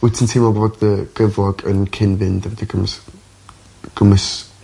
Wyt ti'n teimlo fod dy gyflog yn cyn fynd efo dy cymws- cymys-